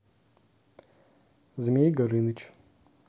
змей горыныч